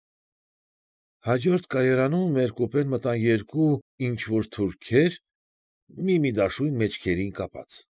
Հաջորդ կայարանում մեր կուպեն մտան երկու ինչ֊որ թուրքեր՝ մի֊մի դաշույն մեջքներին կապած։